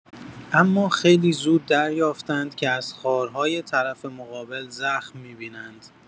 اما خیلی زود دریافتند که از خارهای طرف مقابل زخم می‌بینند.